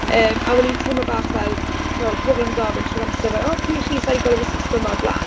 Yym, a we'n i'n teimlo bach fel bod pobl yn gofyn trwy'r amser fel "o pwy chi, sa i 'di gweld y wisg ysgol 'ma o blaen".